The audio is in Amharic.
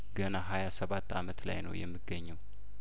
ገና ሀያሰባት አመት ላይ ነው የምገኘው